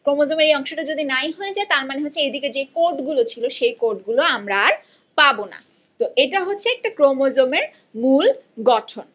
ক্রোমোজোমের এই অংশটা যদি নাই হয়ে যায় তার মানে হচ্ছে এদিকে যে কোড গুলো ছিল সেই কোডগুলো আমরা আর পাবো না তো এটা হচ্ছে একটা ক্রোমোজোমের মূল গঠন